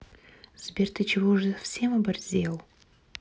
сбер ты чего уже совсем оборзел